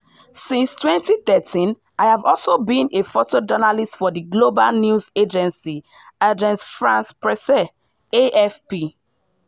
Since 2013, I have also been a photojournalist for the global news agency, Agence France Presse (AFP).